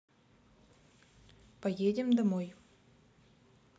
пойдем домой